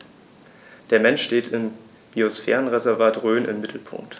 Der Mensch steht im Biosphärenreservat Rhön im Mittelpunkt.